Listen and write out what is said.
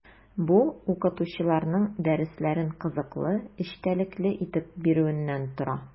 Бу – укытучыларның дәресләрен кызыклы, эчтәлекле итеп бирүеннән тора.